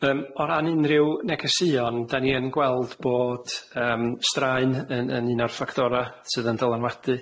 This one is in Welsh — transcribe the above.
Yym o ran unrhyw negeseuon, dan ni yn gweld bod yym straen yn yn un o'r ffactora sydd yn dylanwadu.